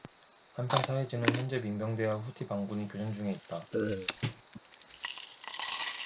한편 타이즈는 현재 민병대와 후티 반군이 교전 중에 있다